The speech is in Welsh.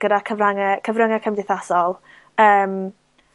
gyda cyfrange cyfrynge cymdeithasol, yym,